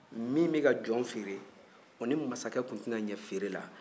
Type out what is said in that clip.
min bɛ ka jɔn feere o ni masakɛ tun tɛna ɲɛ feere la